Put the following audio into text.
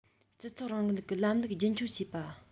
སྤྱི ཚོགས རིང ལུགས ཀྱི ལམ ལུགས རྒྱུན འཁྱོངས བྱེད པ